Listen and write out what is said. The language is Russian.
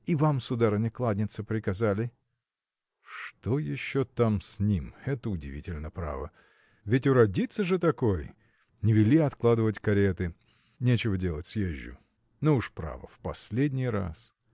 и вам, сударыня, кланяться приказали. – Что еще там с ним? Это удивительно, право! Ведь уродится же этакой! Не вели откладывать кареты. Нечего делать, съезжу. Но уж, право, в последний раз.